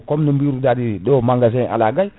comme no biruɗani ɗo magasin ala gayi